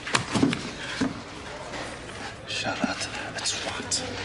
Siarad y twat.